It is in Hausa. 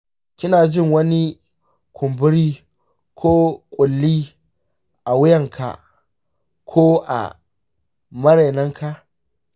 kina jin wani kumburi ko ƙulli a wuyanka ko a marainanka ?